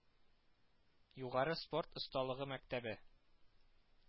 Югары спорт осталыгы мәктәбе